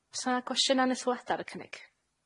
O's 'na gwestiyna' ne' sylwada' ar y cynnig?